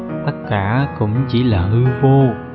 tất cả cũng chỉ là hư vô